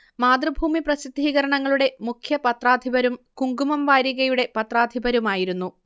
മാതൃഭൂമി പ്രസിദ്ധീകരണങ്ങളുടെ മുഖ്യ പത്രാധിപരും കുങ്കുമം വാരികയുടെ പത്രാധിപരുമായിരുന്നു